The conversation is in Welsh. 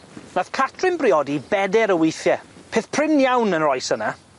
Nath Catrin briodi beder o withie, peth prin iawn yn yr oes yna.